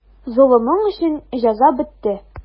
Золымың өчен җәза бетте.